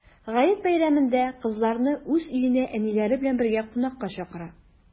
Гает бәйрәмендә кызларны уз өенә әниләре белән бергә кунакка чакыра.